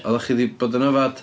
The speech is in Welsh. Oeddech chi 'di bod yn yfed?